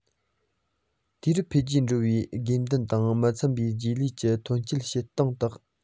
དུས རབས འཕེལ རྒྱས འགྲོ བའི དགོས འདུན དང མི འཚམས པའི རྗེས ལུས ཀྱི ཐོན སྐྱེད བྱེད སྟངས དག